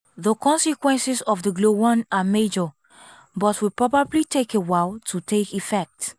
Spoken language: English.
The consequences of the Glo-1 are major, but will probably take a while to take effect.